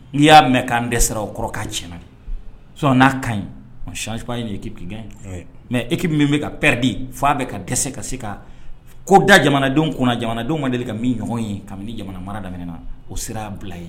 N'i y'a mɛn'an dɛsɛ sara o kɔrɔ k'a tiɲɛna son n'a ka ɲi si ye nin ye'i kini gɛn mɛ eki min bɛ kaɛden fo'a bɛ ka dɛsɛ ka se ka ko da jamanadenw kɔnɔ jamanadenw ma deli ka min ɲɔgɔn ye kabini jamana mara daminɛɛna o sera' bila ye